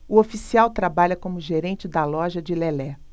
o oficial trabalha como gerente da loja de lelé